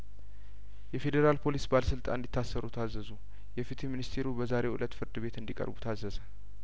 የፌዴራል ፖሊስ ባለስልጣን እንዲ ታሰሩ ታዘዙ የፍትህ ሚኒስቴሩ በዛሬው እለት ፍርድ ቤት እንዲቀርቡ ታዘዘ